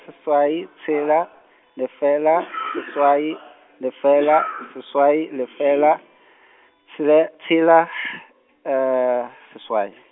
seswai tshela, lefela seswai, lefela, seswai, lefela, tshele-, tshela , seswai.